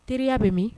Teriya bɛ min